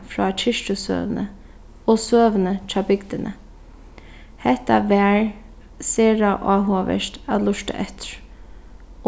frá kirkjusøguni og søguni hjá bygdini hetta var sera áhugavert at lurta eftir